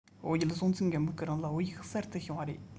བོད རྒྱལ སྲོང བཙན སྒམ པོའི སྐུ རིང ལ བོད ཡིག གསར དུ བྱུང བ རེད